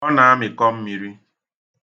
Ọ na-amikọ mmiri.